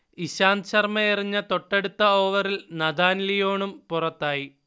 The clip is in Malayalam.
ഇശാന്ത് ശർമ എറിഞ്ഞ തൊട്ടടുത്ത ഓവറിൽ നഥാൻ ലിയോണും പുറത്തായി